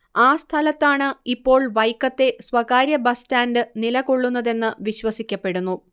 ആ സ്ഥലത്താണ് ഇപ്പോൾ വൈക്കത്തെ സ്വകാര്യ ബസ് സ്റ്റാന്റ് നിലകൊള്ളുന്നതെന്ന് വിശ്വസിക്കപ്പെടുന്നു